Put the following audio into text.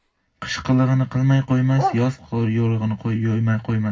qish qilig'ini qilmay qo'ymas yoz yo'rig'ini yo'ymay qo'ymas